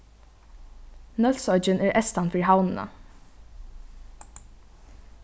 nólsoyggin er eystan fyri havnina